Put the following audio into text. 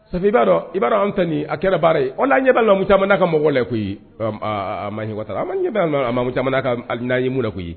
Safɛ b'a dɔn i b'a dɔn anw ta nin a kɛra baara o la an ɲɛba lamu caman ka mɔgɔ la koyi a Mahin Watara